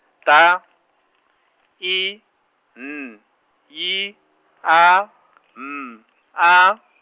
T I N Y A M A.